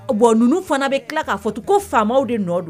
Bon ninnu fana bɛ tila k'a fɔ to ko faamaw de nɔ don